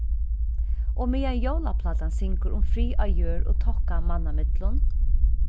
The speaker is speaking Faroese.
og meðan jólaplátan syngur um frið á jørð og tokka manna millum